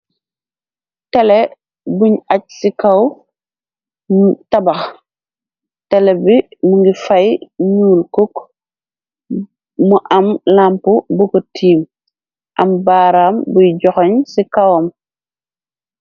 Tele buñ aj ci kaw tabax tele bi mu ngi fay nuul cook mu am lamp buko tiim am baaraam buy joxañ ci kawam.